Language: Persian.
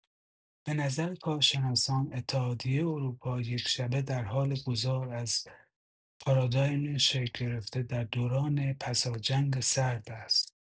به نظر کارشناسان، اتحادیه اروپا، یک‌شبه در حال گذار از پارادایم شکل‌گرفته در دوران پساجنگ سرد است.